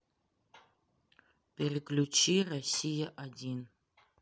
переключи россия один